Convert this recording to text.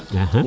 aha